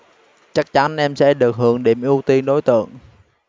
chắc chắn em sẽ được hưởng điểm ưu tiên đối tượng